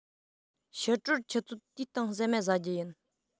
ཕྱི དྲོར ཆུ ཚོད དུའི སྟེང ཟ མ ཟ རྒྱུ ཡིན